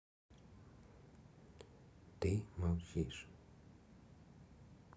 ты молчишь